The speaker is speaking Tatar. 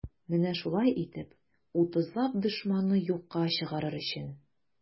Менә шулай итеп, утызлап дошманны юкка чыгарыр өчен.